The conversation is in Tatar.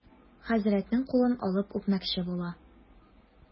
Хәзрәтнең кулын алып үпмәкче була.